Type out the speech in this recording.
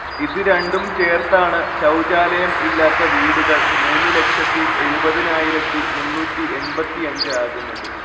ഇത് രണ്ടും ചേർത്താണ് ശൗചാലയം ഇല്ലാത്ത വീടുകൾ മൂന്ന്, എഴുപതു, മുന്നൂറ്റി എൺപത്തിഅഞ്ചു ആകുന്നത്